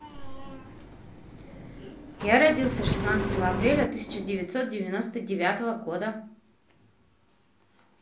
я родился шестнадцатого апреля тысяча девятьсот девяносто девятого года